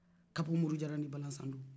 kabumurujara ni balnzandon